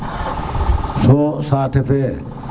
so sate fe